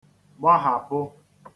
-gbahàpụ